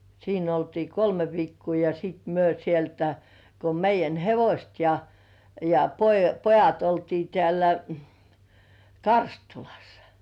siinä oltiin kolme viikkoa ja sitten me sieltä kun meidän hevoset ja ja - pojat oltiin täällä Karstulassa